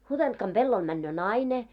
Hutentkan pellolla menee nainen